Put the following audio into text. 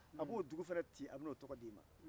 a b'o dugu fana ci a bɛ n'o tɔgɔ d'i ma